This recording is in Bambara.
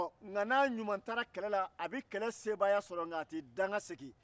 n'a ɲuman taara kɛlɛ la a bɛ kɛlɛ sebaaya sɔrɔ nka a tɛ dankasegin